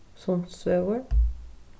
sundsvegur